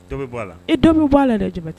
La dɔ b' la dɛ jama